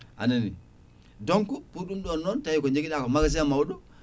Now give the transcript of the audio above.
anani donc ko ɗum ɗon noon tawi joguiɗa ko magasin mawɗo